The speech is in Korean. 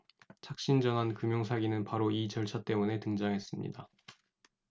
착신전환 금융사기는 바로 이 절차 때문에 등장했습니다